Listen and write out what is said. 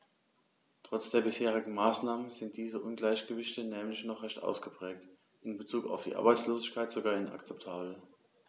Trotz der bisherigen Maßnahmen sind diese Ungleichgewichte nämlich noch recht ausgeprägt, in bezug auf die Arbeitslosigkeit sogar inakzeptabel.